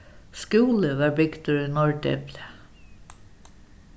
skúli varð bygdur í norðdepli